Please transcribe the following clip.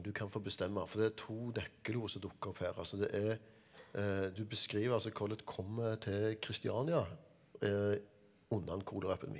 du kan få bestemme for det er to nøkkelord som dukker opp her altså det er du beskriver altså Collett kommer til Christiania under en koleraepidemi.